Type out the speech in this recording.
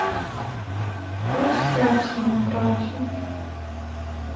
как скрафтить в майнкрафте